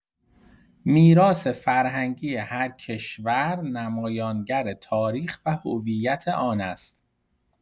میراث‌فرهنگی هر کشور نمایانگر تاریخ و هویت آن است.